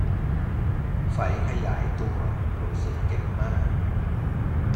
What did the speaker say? ไฝขยายตัวรู้สึกเจ็บมาก